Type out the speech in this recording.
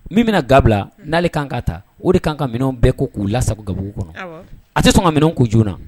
Min bɛna gabila n'ale kan ka ta o de kan ka minɛn bɛɛ ko k'u lasa gabugu kɔnɔ a tɛ sɔn ka minɛn k'u joona na